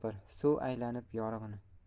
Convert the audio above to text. topar suv aylanib yorig'ini